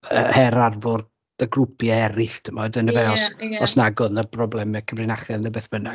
yy Her Arfor 'da grwpiau eraill timod yndyfe os... ie, ie. ...nag oedd 'na broblemau cyfrinachedd neu beth bynnag.